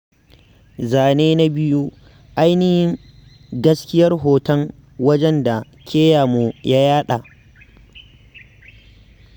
Zane na 2: Ainihin gaskiyar hoton wajen da Keyamo ya yaɗa.